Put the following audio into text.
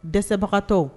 Dɛsɛbagatɔw